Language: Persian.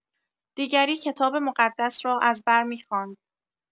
دیگری کتاب مقدس را از بر می‌خواند.